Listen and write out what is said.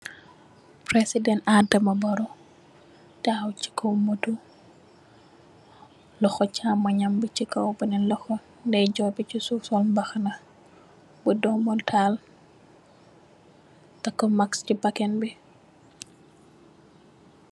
President Adama Barrow, tahaw ci kaw moto. loho chàmoñ nyam bi ci kaw benen loho ndejorbi. Mungi sol mbahana bu doomutal, takk mass ci bakan bi.